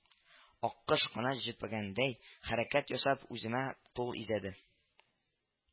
Аккош канат җелпегәндәй хәрәкәт ясап үземә кул изәде